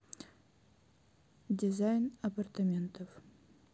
дизайн апартаментов